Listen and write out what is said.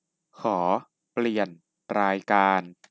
ขอเปลี่ยนรายการ